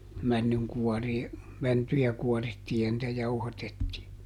männynkuoria mäntyjä kuorittiin ja niitä jauhatettiin